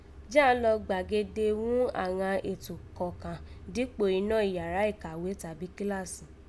Jí an lò gbàgede ghun àghan ètò kọ̀ọ̀kan dípò inọ́ iyàrá ìkàwé tàbí kíláàsì